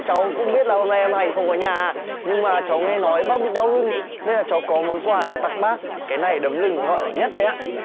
cháu cũng biết là hôm nay em hành không có nhà nhưng mà cháu nghe nói bác bị đau lưng nên là cháu có món quà này tặng bác cái này đấm lưng gọi là nhất đấy ạ